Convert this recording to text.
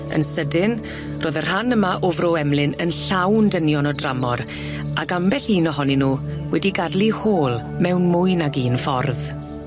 Yn sydyn ro'dd y rhan yma o Fro Emlyn yn llawn dynion o dramor ag ambell un ohonyn nw wedi gad'el 'u hôl, mewn mwy nag un ffordd.